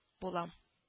Булам